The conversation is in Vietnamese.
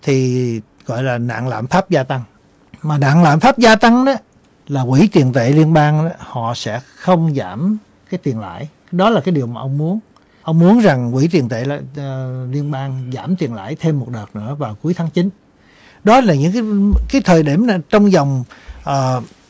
thì gọi là nạn lạm phát gia tăng mà đảng lạm phát gia tăng đớ là quỹ tiền tệ liên bang họ sẽ không giảm cái tiền lãi đó là cái điều mà ông muốn ông muốn rằng quỹ tiền tệ liên bang giảm tiền lãi thêm một đợt nữa vào cuối tháng chín đó là những cái cái thời điểm trong vòng ờ